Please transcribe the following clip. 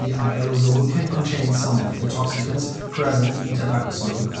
aerosol can contain some of the toxicants present in tobacco smoke